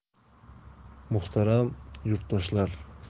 muhtaram yurtdoshlar